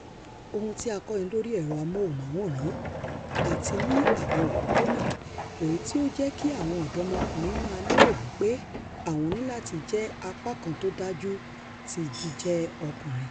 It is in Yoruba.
Ohun tí a kọ́ni lóri ẹrọ ámóhὺnmáwòran, àti ní àwọn òpópóna, èyití ó ńjẹ́ kí àwọn ọ̀dọ́mọkùnrin máa lérò wí pé àwọn níláti jẹ́ apá kan tódájú ti jíjẹ́ ọkùnrin?